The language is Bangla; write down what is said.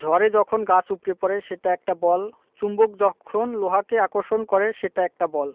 ঝড়ে যখন গাছ উপড়ে পড়ে সেটা একটা বল চুম্বক যখন লোহাকে আকর্ষণ করে সেটা একটা বল